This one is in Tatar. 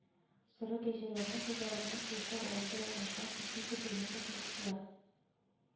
Соры кәҗәләрне хуҗалыкның күрше авылда урнашкан ике көтүенә кушмакчылар